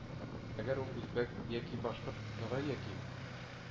Әгәр ул үзбәк яки башкорт, ногай яки